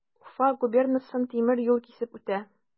Уфа губернасын тимер юл кисеп үтә.